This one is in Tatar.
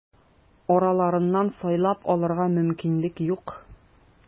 Араларыннан сайлап алырга мөмкинлек юк.